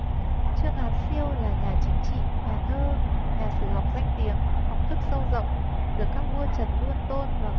trương hán siêu là nhà chính trị nhà thơ nhà sử học danh tiếng học thức sâu rộng được các vua trần luôn tôn gọi